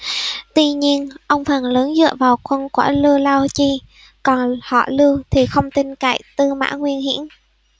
tuy nhiên ông phần lớn dựa vào quân của lưu lao chi còn họ lưu thì không tin cậy tư mã nguyên hiển